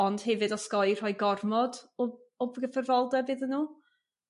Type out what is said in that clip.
ond hefyd osgoi rhoi gormod o o gyfrifoldeb iddyn nhw?